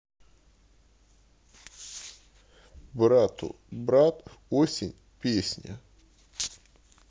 брату брат осень песня